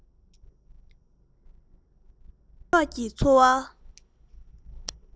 རྗེས ཕྱོགས ཀྱི འཚོ བ